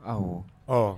Aw hɔn